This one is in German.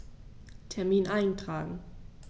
Termin eintragen